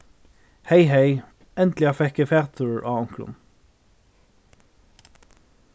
hey hey endiliga fekk eg fatur á onkrum